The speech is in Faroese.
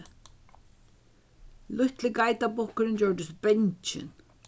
lítli geitarbukkurin gjørdist bangin